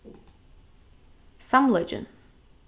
samleikin